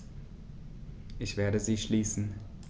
Ich werde sie schließen.